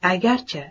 agar chi